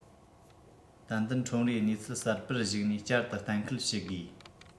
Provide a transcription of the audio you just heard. ཏན ཏན ཁྲོམ རའི གནས ཚུལ གསར པར གཞིགས ནས བསྐྱར དུ གཏན འཁེལ བྱེད དགོས